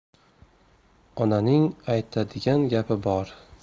onaning aytadigan gapi bor